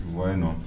Wa in nɔ